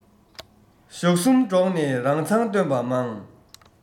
ཞག གསུམ འགྲོགས ནས རང མཚང སྟོན པ མང